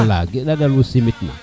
wala ragal mu simit ma